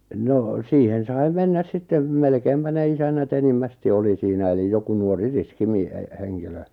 no siihen sai mennä sitten melkeinpä ne isännät enimmäkseen oli siinä eli joku nuori riski --- henkilö